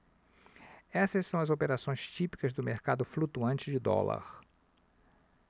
essas são as operações típicas do mercado flutuante de dólar